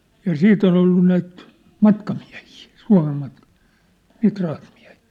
ja sitten on ollut näitä matkamiehiä Suomen matkamiehiä niitä rahtimiehiä